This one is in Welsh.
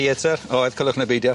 Theatyr oedd coelwch ne' beidio.